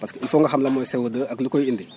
parce que il foog nga xam lan mooy CO2 ak lu koy indi